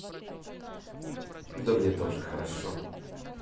да мне тоже хорошо